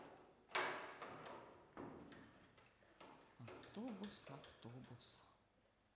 автобус автобус